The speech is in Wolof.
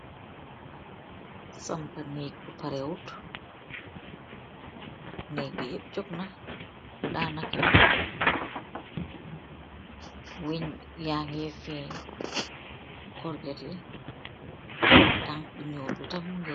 Sampa neeg bu parewut neeg bi yepp jogna daanaka weng yaangee feen korjet yi tank bu nuul bi tam muge.